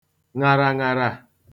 ṅàràṅàrà